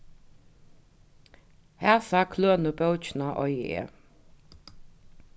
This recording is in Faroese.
hasa klønu bókina eigi eg